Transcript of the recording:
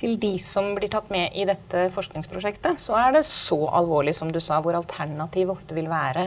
til de som blir tatt med i dette forskningsprosjektet så er det så alvorlig som du sa, hvor alternativet ofte vil være